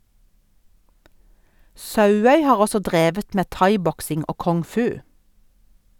Sauøy har også drevet med thaiboksing og kung-fu.